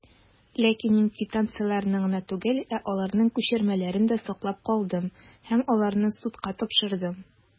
Ләкин мин квитанцияләрне генә түгел, ә аларның күчермәләрен дә саклап калдым, һәм аларны судка тапшырдым.